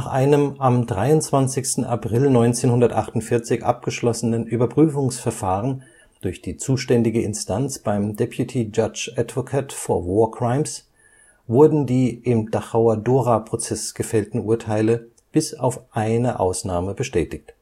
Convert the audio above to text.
einem am 23. April 1948 abgeschlossenen Überprüfungsverfahren durch die zuständige Instanz beim Deputy Judge Advocate for War Crimes wurden die im Dachauer Dora-Prozess gefällten Urteile bis auf eine Ausnahme bestätigt